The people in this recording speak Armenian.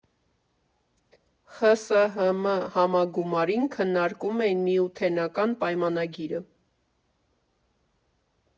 ԽՍՀՄ համագումարին քննարկում էին Միութենական պայմանագիրը։